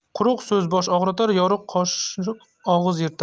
quruq so'z bosh og'ritar yoriq qoshiq og'iz yirtar